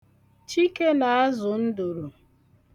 Chike na-azụ nduru.